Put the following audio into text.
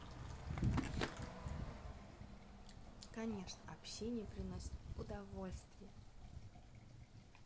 конечно общение приносит удовольствие